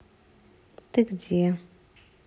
ты где